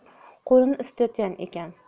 qo'lini isitayotgan ekan